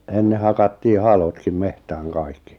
ennen hakattiin halotkin metsään kaikki